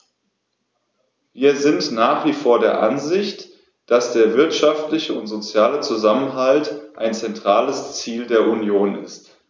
Wir sind nach wie vor der Ansicht, dass der wirtschaftliche und soziale Zusammenhalt ein zentrales Ziel der Union ist.